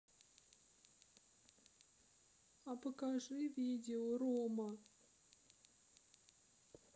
а покажи видео рома